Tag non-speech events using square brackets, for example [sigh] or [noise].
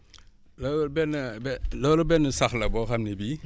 [smacks lips] loolu benn be loolu benn sax la boo xam ni bii